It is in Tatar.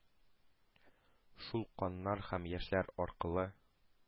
Шул каннар һәм яшьләр аркылы,